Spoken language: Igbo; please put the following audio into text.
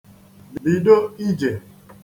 bidō ijè